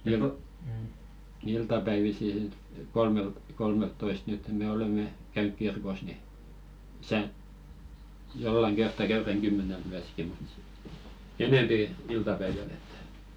niin kuin iltapäivisin sitten - kolmeltatoista nyt me olemme käynyt kirkossa niin tässä jollakin kertaa käydään kymmeneltä myöskin mutta sitten enempi iltapäivällä että